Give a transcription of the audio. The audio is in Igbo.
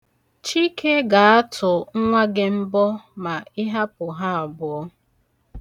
Chike ga-atụ nwa gị mbọ ma ị hapụ ha abụọ.